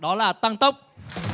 đó là tăng tốc